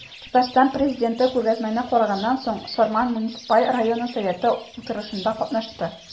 Татарстан Президенты күргәзмәне караганнан соң, Сарман муниципаль районы советы утырышында катнашты.